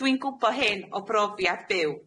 Dwi'n gwbo hyn o brofiad byw.